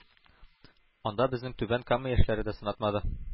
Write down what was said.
Анда безнең түбән кама яшьләре дә сынатмады.